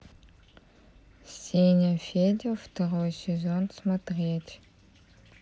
сеня федя второй сезон смотреть